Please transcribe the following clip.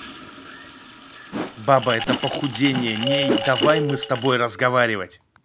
баба это похудение ней давай мы с тобой разговаривать